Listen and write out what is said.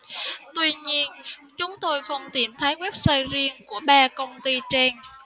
tuy nhiên chúng tôi không tìm thấy website riêng của ba công ty trên